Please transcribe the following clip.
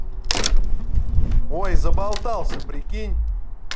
ой заболтался прикинь